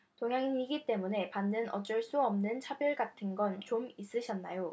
동양인이기 때문에 받는 어쩔 수 없는 차별 같은 건 좀 있으셨나요